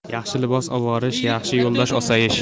yaxshi libos oroyish yaxshi yo'ldosh osoyish